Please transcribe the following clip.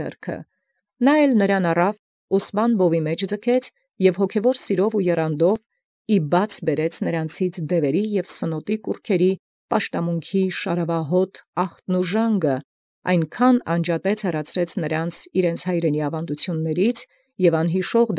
Զոր առեալ՝ արկանէր ի բովս վարդապետութեանն և հոգևոր սիրոյն եռանդմամբ զաղտ և զժանգ շարաւահոտ դիւացն և զսնոտիագործ պաշտամանն ի բաց քերէր, այնչափ անջատեալ ի հայրենեաց իւրեանց և անյիշատակ։